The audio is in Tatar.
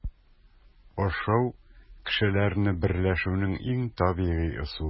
Ашау - кешеләрне берләшүнең иң табигый ысулы.